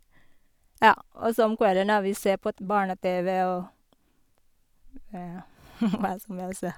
Ja, og så om kvelden, da, vi ser på et barne-TV og hva som jeg vil se.